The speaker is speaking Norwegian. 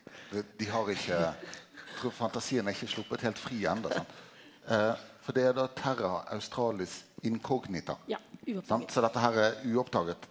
det dei har ikkje trur fantasien er ikkje sloppe heilt fri enda sant for det er då Terra Australis Inkognita sant så dette herre er uoppdaga.